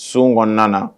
Sogɔɔn kɔnɔna